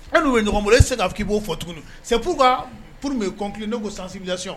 E n'u be ɲɔgɔn bolo e tise k'a f k'i b'o fɔ tugunni o c'est pourquoi pour me conclure ne ko sensibilisation